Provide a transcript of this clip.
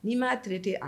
Ni maarete